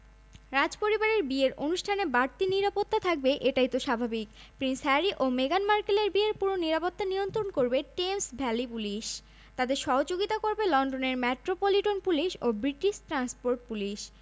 রাজপরিবারের বিয়ের অনুষ্ঠানে বাড়তি নিরাপত্তা থাকবে এটাই তো স্বাভাবিক প্রিন্স হ্যারি ও মেগান মার্কেলের বিয়ের পুরো নিরাপত্তা নিয়ন্ত্রণ করবে টেমস ভ্যালি পুলিশ তাঁদের সহযোগিতা করবে লন্ডনের মেট্রোপলিটন পুলিশ ও ব্রিটিশ ট্রান্সপোর্ট পুলিশ